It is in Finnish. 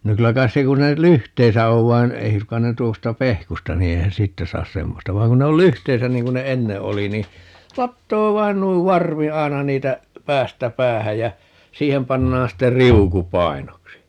no kyllä kai se kun se näin lyhteissä on vaan ei suinkaan ne tuosta pehkusta niin eihän siitä saa semmoista vaan kun ne oli lyhteissä niin kun ne ennen oli niin latoa vain noin varvi aina niitä päästä päähän ja siihen pannaan sitten riuku painoksi